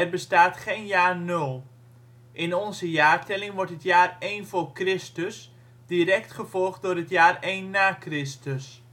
bestaat geen jaar 0; in onze jaartelling wordt het jaar 1 voor Christus direct gevolgd door het jaar 1 na Christus